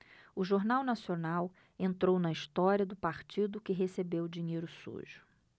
o jornal nacional entrou na história do partido que recebeu dinheiro sujo